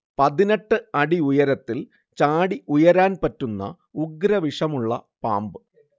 പതിനെട്ട് അടിഉയരത്തിൽ ചാടി ഉയരാൻ പറ്റുന്ന ഉഗ്രവിഷമുള്ള പാമ്പ്